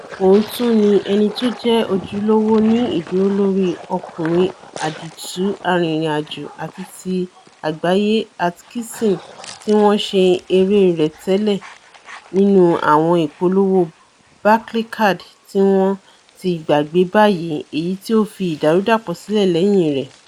Òun tún ni ẹnitójẹ ojúlówo ní idúró lóri ọkùnrin àdììtú arìnrìn-àjò àti ti àgbáyé Atkinson tí wọn ṣe eré rẹ̀ tẹ́lẹ̀ nínú àwọn ìpolówó Barclaycard tíwọ́n ti gbàgbé báyìí, èyití ó fi ìdàrúdàpọ̀ sílẹ̀ lẹ́yìn rẹ̀.